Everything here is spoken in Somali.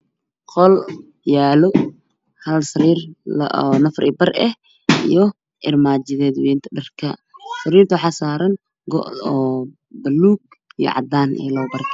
Qol yaalo hal hal sariir oo nafar ah iyo armaajadeeda weynta dharka waxaa saaran go buluug